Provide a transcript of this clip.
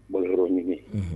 Bo yɔrɔ ɲini